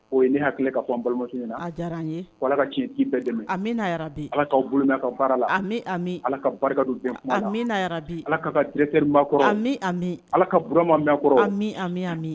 O ye ne hakilinan ye ka fɔ an balima muso ye. A diyara an ye. Ko ala ka tiɲɛ tigi bɛɛ dɛmɛ . A mina yarabi. Ala ka bolo mɛn ka baara la ami . Ala ka barika dɛmɛ abi ala ka ka gtri kɔrɔ anmi a ala ka Burama mɛn a kɔrɔ ami ami